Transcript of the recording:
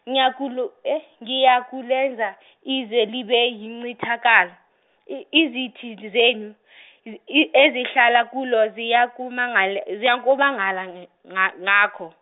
ngiyakulu- ngiyakulenza izwe libe yincithakalo i- izitha zenu i- ezihlala kulo ziyakumangal- ziyakumangala ng- ngako.